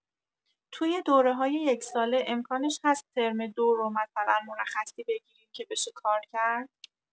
توی دوره‌های یک‌ساله امکانش هست ترم ۲ رو مثلا مرخصی بگیریم که بشه کار کرد؟